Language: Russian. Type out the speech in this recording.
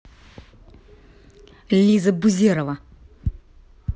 лиза бузерова